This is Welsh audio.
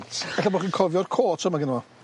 E'lla bo' chi'n cofio'r quote yma gynno fo.